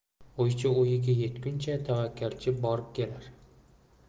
o'ychi o'yiga yetguncha tavakkalchi borib kelar